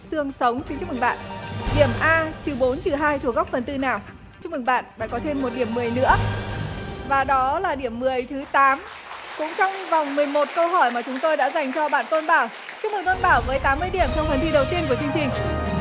xương sống xin chúc mừng bạn điểm a trừ bốn trừ hai góc phần tư nào chúc mừng bạn bạn có thêm một điểm mười nữa và đó là điểm mười thứ tám cũng trong vòng mười một câu hỏi mà chúng tôi đã dành cho bạn tôn bảo chúc mừng tôn bảo với tám mươi điểm trong phần thi đầu tiên của chương trình